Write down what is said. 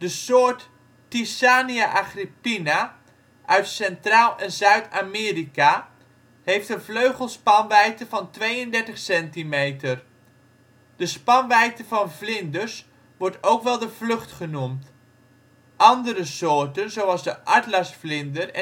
soort Thysania agrippina uit Centraal - en Zuid-Amerika heeft een vleugelspanwijdte van 32 centimeter. De spanwijdte van vlinders wordt ook wel de vlucht genoemd. Andere soorten, zoals de atlasvlinder